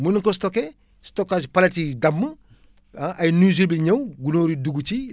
mën na ko stocké stockage * yi damm ah ay nuisibles ñëw gunóor yi dugg ci